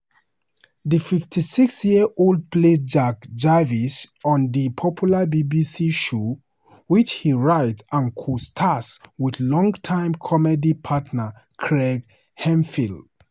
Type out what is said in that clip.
The 56-year-old plays Jack Jarvis on the popular BBC show, which he writes and co-stars with long-time comedy partner Greg Hemphill.